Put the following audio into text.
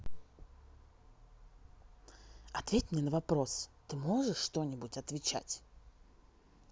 ответь мне на вопрос ты можешь что нибудь отвечать